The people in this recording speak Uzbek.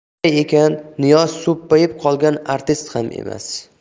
shunday ekan niyoz so'ppayib qolgan artist ham emas